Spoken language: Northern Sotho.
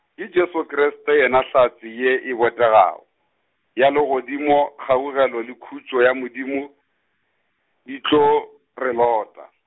ka Jesu Kriste yena hlatse ye e botegago, ya legodimo kgaogelo le khutšo ya Modimo, di tlo, re lota.